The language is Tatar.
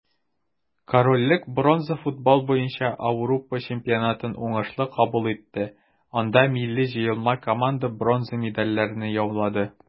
Корольлек бронза футбол буенча Ауропа чемпионатын уңышлы кабул итте, анда милли җыелма команда бронза медальләрне яулады.